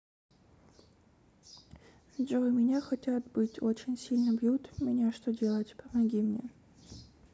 джой меня хотят быть очень сильно бьют меня что делать помоги мне